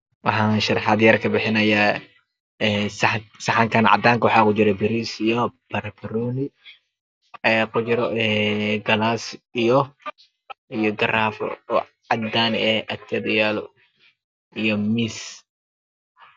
Waxan sharxaad yar kabixinayaa sxp saxankan cadanka waxaa kujiro banbanooni galas iyo garaafo cadan aha ayaa agtiisa yaale iyo miis